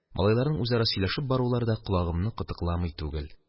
Малайларның үзара сөйләшеп барулары да колагымны кытыкламый түгел: –